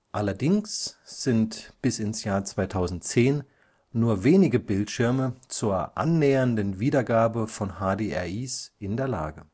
Allerdings sind aktuell (im Jahr 2010) nur wenige Bildschirme zur annähernden Wiedergabe von HDRIs in der Lage